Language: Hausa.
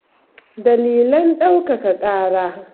Dalilan ɗaukaka ƙara